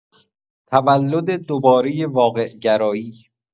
تولد دوباره واقع‌گرایی